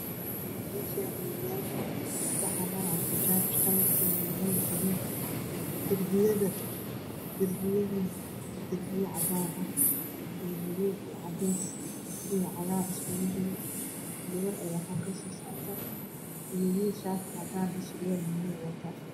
Halkan waa lami waxa marayo moto Bajaj kalar kode waa qahwi iyo gadud